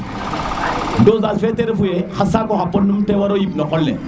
dosage fe te refu ye xa saaku xa pod num ten waro yip no qol le